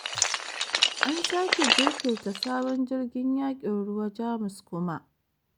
An sake jinkirta sabon jirgin yakin ruwa Jamus kuma